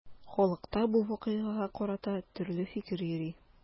Халыкта бу вакыйгага карата төрле фикер йөри.